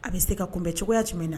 A bɛ se ka kunbɛn cogoyaya jumɛn na